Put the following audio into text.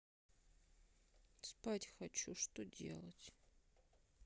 спать хочу что делать